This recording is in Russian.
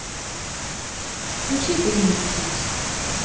включи пение птиц